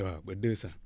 waaw ba deux cent